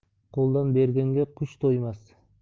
qo'ldan berganga qush to'ymas